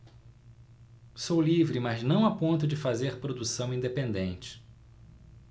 sou livre mas não a ponto de fazer produção independente